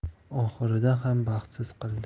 oxirida ham baxtsiz qildi